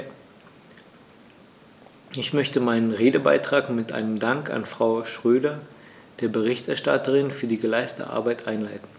Ich möchte meinen Redebeitrag mit einem Dank an Frau Schroedter, der Berichterstatterin, für die geleistete Arbeit einleiten.